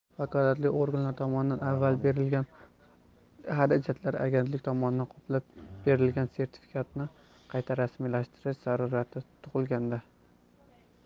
vakolatli organ tomonidan avval berilgan xarajatlari agentlik tomonidan qoplab berilgan sertifikatni qayta rasmiylashtirish zarurati tug'ilganda